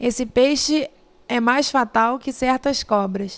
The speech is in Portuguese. esse peixe é mais fatal que certas cobras